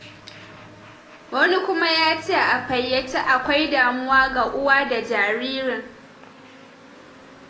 wani kuma yace: “A faiyace akwai damuwa ga uwa da jaririn.